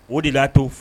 O de la to